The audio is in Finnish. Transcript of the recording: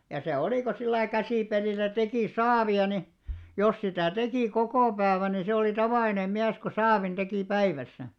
ja se oli kun sillä lailla käsipelillä teki saavia niin jos sitä teki koko päivän niin se oli tavallinen mies kun saavin teki päivässä